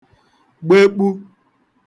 gbekpu